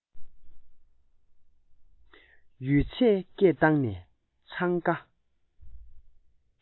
ཡོད ཚད སྐད བཏང ནས འཚང ཀ